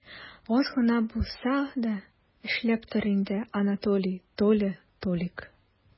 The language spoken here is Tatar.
Аз гына булса да эшләп тор инде, Анатолий, Толя, Толик!